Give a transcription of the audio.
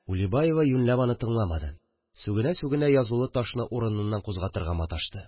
Улибаева юньләп аны тыңламады, сүгенә-сүгенә язулы ташны урыныннан кузгатырга маташты